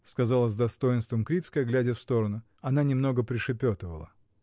— сказала с достоинством Крицкая, глядя в сторону. Она немного пришепетывала.